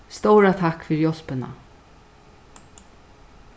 stóra takk fyri hjálpina